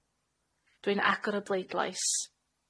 Dwi'n agor y bleidlais.